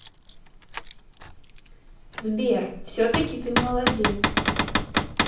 сбер все таки ты молодец